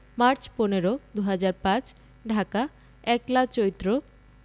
March ১৫ ২০০৫ Dhaka ১লা চৈত্র